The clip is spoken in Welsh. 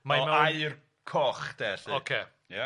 Mae'n aur coch de 'lly. Ocê ia.